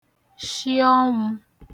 shi ọnwụ̄